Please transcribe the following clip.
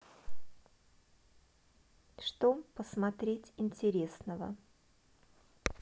что посмотреть интересного